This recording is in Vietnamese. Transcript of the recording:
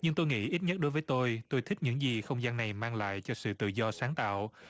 nhưng tôi nghĩ ít nhất đối với tôi tôi thích những gì không gian này mang lại cho sự tự do sáng tạo